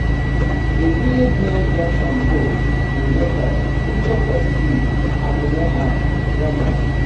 A village near Jamshedpur in Jharkhand. Picture courtesy Anumeha Verma